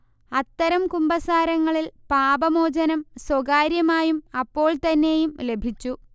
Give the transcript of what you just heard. അത്തരം കുമ്പസാരങ്ങളിൽ പാപമോചനം സ്വകാര്യമായും അപ്പോൾത്തന്നെയും ലഭിച്ചു